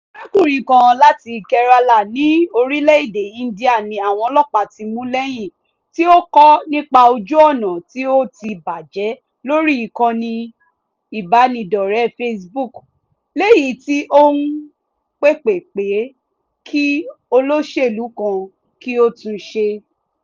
Arákùnrin kan láti Kerala, ní orílẹ́ èdè India ni àwọn ọlọ́pàá ti mú lẹ́yìn tí ó kọ nípa ojú ọ̀nà tí ó tí bàjẹ́ lórí ìkànnì ìbánidọ́rẹ̀ẹ́ Facebook, lèyí tí ó ń pèpè pé kí olóṣèlú kan kí ó tún un ṣe.